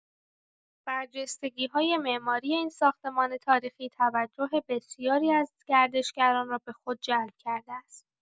برجستگی‌های معماری این ساختمان تاریخی توجه بسیاری از گردشگران را به خود جلب کرده است.